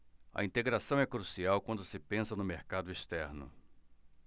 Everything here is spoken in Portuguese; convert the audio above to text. a integração é crucial quando se pensa no mercado externo